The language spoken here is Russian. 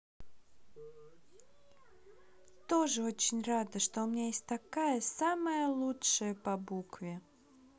тоже очень рада что у меня есть такая самая лучшая по букве